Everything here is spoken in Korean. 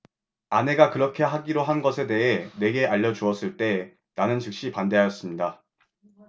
아내가 그렇게 하기로 한 것에 대해 내게 알려 주었을 때 나는 즉시 반대하였습니다